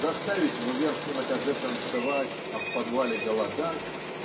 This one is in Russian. заставить в верхнем этаже танцевать, а в подвале - голодать